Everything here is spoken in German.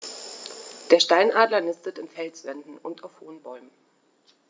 Der Steinadler nistet in Felswänden und auf hohen Bäumen.